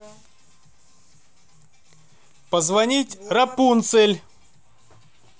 позвонить рапунцель